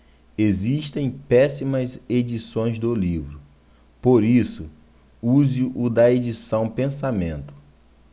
existem péssimas edições do livro por isso use o da edição pensamento